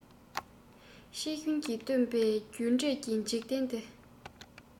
ཕྱི ཤུན གྱིས བཏུམ པའི རྒྱུ འབྲས ཀྱི འཇིག རྟེན འདི